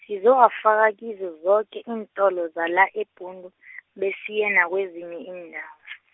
sizowafaka kizo zoke iintolo zala eBhundu , besiye nakwezinye iindawo.